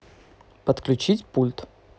подключить пульт